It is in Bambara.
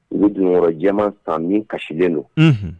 U ye dunɔkɔrɔ jɛman san min kasilen don unhun